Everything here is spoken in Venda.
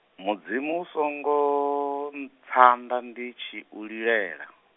Mudzimu u songo ntsanda ndi tshi u lilela.